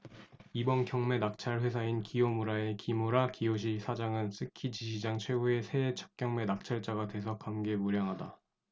이번 경매 낙찰 회사인 기요무라의 기무라 기요시 사장은 쓰키지시장 최후의 새해 첫경매 낙찰자가 돼서 감개무량하다